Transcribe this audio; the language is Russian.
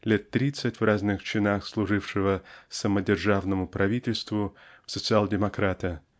лет тридцать в разных чинах служившего "самодержавному правительству" в социал-демократа